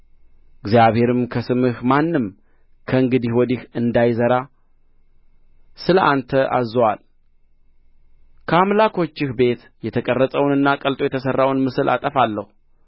እግዚአብሔርም ከስምህ ማንም ከእንግዲህ ወዲህ እንዳይዘራ ስለ አንተ አዝዞአል ከአምላኮችህ ቤት የተቀረጸውንና ቀልጦ የተሠራውን ምስል አጠፋለሁ